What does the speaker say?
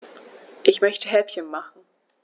Ich möchte Häppchen machen.